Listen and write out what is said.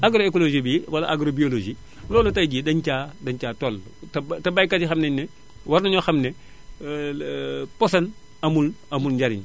agroecologie bii wala agrobiologie loolu tay jii dañu caa dañu caa toll te te baykat yi xam nañu ne war nañoo xam ne poson amul amul njariñ